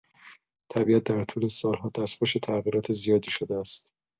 طبیعت در طول سال‌ها دستخوش تغییرات زیادی شده است.